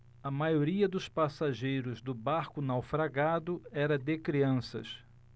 a maioria dos passageiros do barco naufragado era de crianças